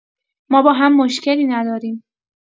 ما با هم مشکلی نداریم.